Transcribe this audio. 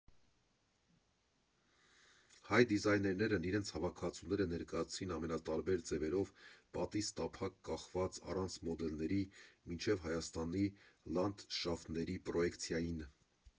Հայ դիզայներն իրենց հավաքածուները ներկայացրին ամենատարբեր ձևերով՝ պատից տափակ կախված՝ առանց մոդելների, մինչև Հայաստանի լանդշաֆտների պրոեկցիային։